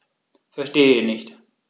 Verstehe nicht.